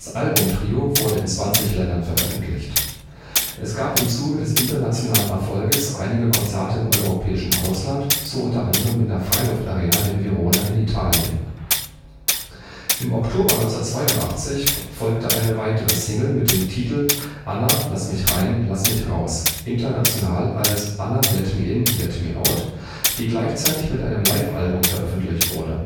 Album „ Trio “wurde in 20 Ländern veröffentlicht. Trio gaben im Zuge des internationalen Erfolges einige Konzerte im europäischen Ausland, so unter anderem in der Freiluftarena in Verona (Italien). Im Oktober 1982 folgte eine weitere Single mit dem Titel „ Anna – Lassmichrein Lassmichraus “(international als „ Anna – Letmein Letmeout “), die gleichzeitig mit einem Live-Album veröffentlicht wurde